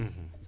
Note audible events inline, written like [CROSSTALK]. [HESITATION] [HESITATION]